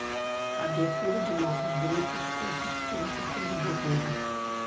a abertura de novos grupos foi suspensa pelo governo